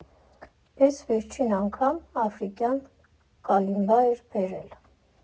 Էս վերջին անգամ աֆրիկյան կալիմբա էր բերել։